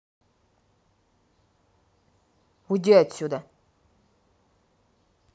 уйти отсюда